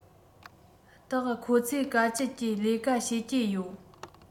དག ཁོང ཚོས དཀའ སྤྱད ཀྱིས ལས ཀ བྱེད ཀྱི ཡོད